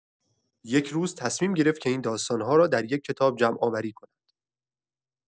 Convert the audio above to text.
یک روز تصمیم گرفت که این داستان‌ها را در یک کتاب جمع‌آوری کند.